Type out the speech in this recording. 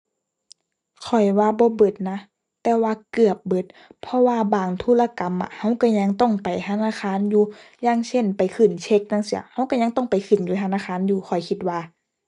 ข้อยว่าบ่เบิดนะ แต่ว่าเกือบเบิด เพราะว่าบางธุรกรรมอะ เราเรายังต้องไปธนาคารอยู่ อย่างเช่นไปขึ้นเช็คจั่งซี้ เราเรายังต้องไปขึ้นอยู่ธนาคารอยู่ ข้อยคิดว่า